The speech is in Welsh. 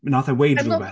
Wnaeth e weud rywbeth...